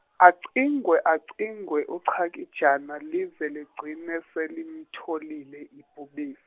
acingwe acingwe uchakijana lize ligcine selimtholile ibhubesi.